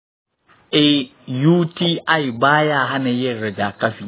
eh, uti ba ya hana yin rigakafi.